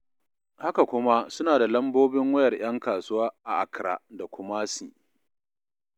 Haka kuma suna da lambobin wayar 'yan kasuwa a Accra da Kumasi.